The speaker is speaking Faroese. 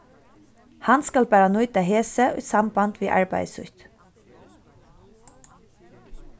hann skal bara nýta hesi í samband við arbeiði sítt